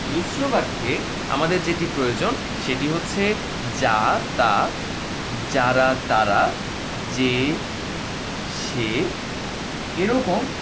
মিশ্র বাক্যে আমাদের মূলত যেটি প্রয়োজন সেটি হচ্ছে মিশ্র বাক্যে আমাদের যেটি প্রয়োজন সেটি হচ্ছে যা তা যারা তারা যে সে এরকম